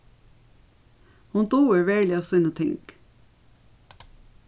hon dugir veruliga síni ting